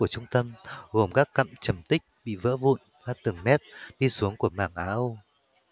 trung tâm gồm các cặn trầm tích bị vỡ vụn ra từ mép đi xuống của mảng á âu